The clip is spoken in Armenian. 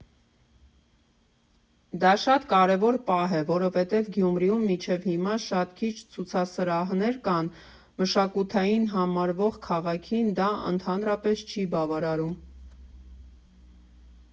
Դա շատ կարևոր պահ է, որովհետև Գյումրիում մինչև հիմա շատ քիչ ցուցասրահներ կան, մշակութային համարվող քաղաքին դա ընդհանրապես չի բավարարում։